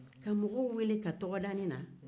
ka mɔgɔw weele ka tɔgɔ da ne na